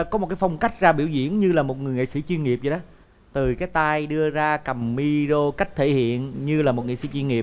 có một cái phong cách ra biểu diễn như là một người nghệ sĩ chuyên nghiệp dậy đó từ cái tay đưa ra cầm mi rô cách thể hiện như là một nghệ sĩ chuyên nghiệp